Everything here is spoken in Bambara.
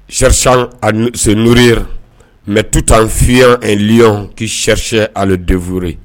Sɛri senurue mɛ tu tan fi ani ɔn ka sɛricsɛ ani defur ye